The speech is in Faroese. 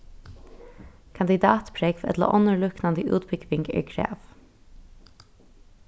kandidatprógv ella onnur líknandi útbúgving er krav